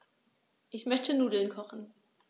Ich möchte Nudeln kochen.